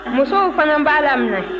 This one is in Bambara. musow fana b'a laminɛ